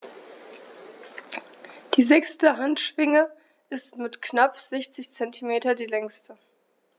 Die sechste Handschwinge ist mit knapp 60 cm die längste.